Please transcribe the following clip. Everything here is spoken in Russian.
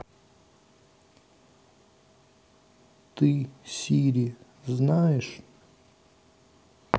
ты сири знаешь